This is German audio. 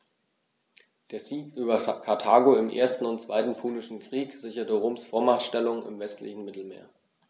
Der Sieg über Karthago im 1. und 2. Punischen Krieg sicherte Roms Vormachtstellung im westlichen Mittelmeer.